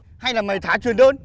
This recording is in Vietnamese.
hay là mày thả truyền đơn